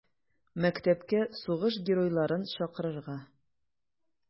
Мәктәпкә сугыш геройларын чакырырга.